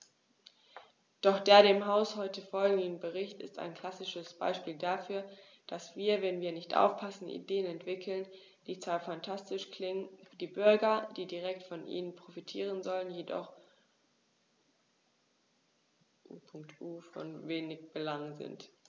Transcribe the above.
Doch der dem Haus heute vorliegende Bericht ist ein klassisches Beispiel dafür, dass wir, wenn wir nicht aufpassen, Ideen entwickeln, die zwar phantastisch klingen, für die Bürger, die direkt von ihnen profitieren sollen, jedoch u. U. von wenig Belang sind.